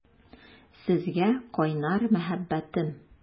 Сезгә кайнар мәхәббәтем!